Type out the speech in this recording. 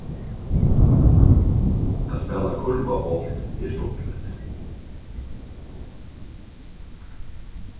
at spæla kurvabólt er stuttligt